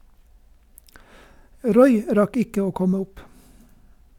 Roy rakk ikke å komme opp.